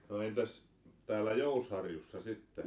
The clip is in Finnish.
no entäs täällä Jousharjussa sitten